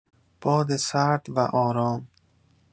باد سرد و آرام